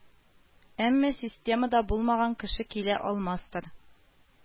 Әмма системада булмаган кеше килә алмастыр